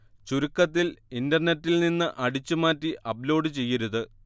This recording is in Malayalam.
ചുരുക്കത്തിൽ ഇന്റർനെറ്റിൽ നിന്ന് അടിച്ചു മാറ്റി അപ്ലോഡ് ചെയ്യരുത്